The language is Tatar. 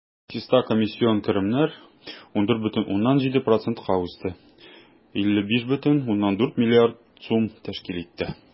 Чиста комиссион керемнәр 14,7 %-ка үсте, 55,4 млрд сум тәшкил итте.